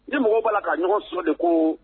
Ni mɔgɔ b'a ka ɲɔgɔn su de ko